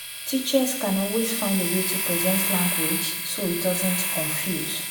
Teachers can always find a way to present language so it doesn’t confuse.